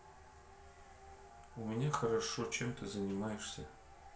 у меня хорошо чем ты занимаешься